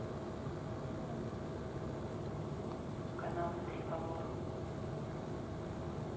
каналы триколор